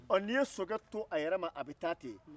ɔ n'i ye sokɛ to a yɛrɛ ma ten a bɛ taa ten